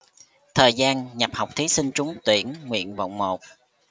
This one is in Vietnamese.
thời gian nhập học thí sinh trúng tuyển nguyện vọng một